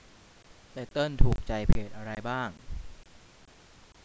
ไตเติ้ลถูกใจเพจอะไรบ้าง